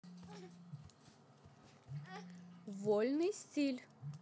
вольный стиль